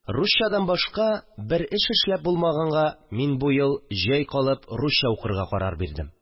Русчадан башка бер эш эшләп булмаганга, мин бу ел, җәй калып, русча укырга карар бирдем